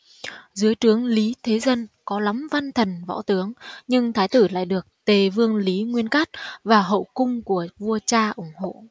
dưới trướng lý thế dân có lắm văn thần võ tướng nhưng thái tử lại được tề vương lý nguyên cát và hậu cung của vua cha ủng hộ